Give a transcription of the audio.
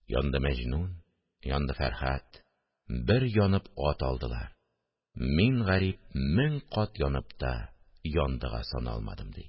Янды Мәҗнүн, янды Фәрһад, Бер янып ат алдылар; Мин, гариб , мең кат янып та, Яндыга саналмадым... – ди